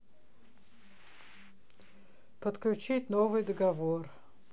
подключить новый договор